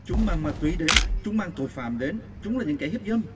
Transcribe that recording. chúng mang ma túy đến chúng mang tội phạm đến chúng là những kẻ hiếp dâm